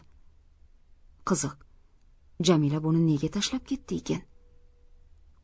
qiziq jamila buni nega tashlab ketdiykin